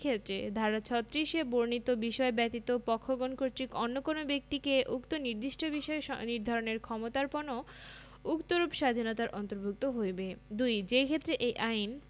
ক্ষেত্রে ধারা ৩৬ এ বর্ণিত বিষয় ব্যতীত পক্ষগণ কর্তৃক অন্য কোন ব্যক্তিকে উক্ত নির্দিষ্ট বিষয় নিধারণের ক্ষমতার্পণও উক্তরূপ স্বাধীনতার অন্তর্ভুক্ত হইবে ২ যেইক্ষেত্রে এই আইন